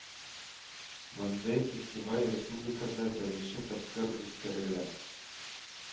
Мондый фестиваль республикада беренче тапкыр үткәрелә